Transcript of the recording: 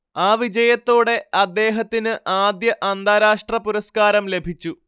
ആ വിജയത്തോടെ അദ്ദേഹത്തിന് ആദ്യ അന്താരാഷ്ട്ര പുരസ്കാരം ലഭിച്ചു